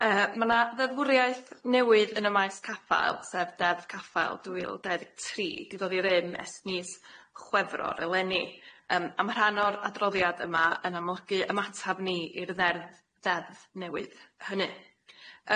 Yy ma' na ddeddfwriaeth newydd yn y maes caffael sef Deddf Caffael dwy fil dau ddeg tri di ddod i rym es nis Chwefror eleni yym a ma' rhan o'r adroddiad yma yn amlygu ymatab ni i'r dderdd- ddeddf newydd hynny.